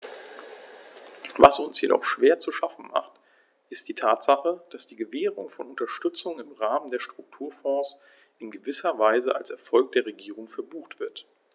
Was uns jedoch schwer zu schaffen macht, ist die Tatsache, dass die Gewährung von Unterstützung im Rahmen der Strukturfonds in gewisser Weise als Erfolg der Regierung verbucht wird.